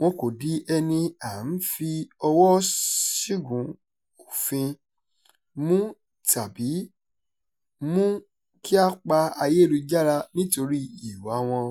wọn kò di ẹni à ń fi ọwọ́ọ ṣìgún òfin mú tàbí mú kí a pa ayélujára nítorí ìwàa wọn.